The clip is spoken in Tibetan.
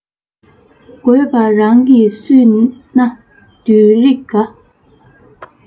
དགོས པ རང གིས བསུས ན བདུད རིགས དགའ